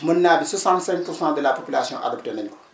mën naa ba 65 pour cent de la population adopté nañu ko